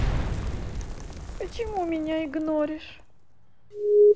почему меня игноришь